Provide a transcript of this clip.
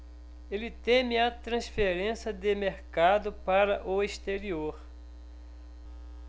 ele teme a transferência de mercado para o exterior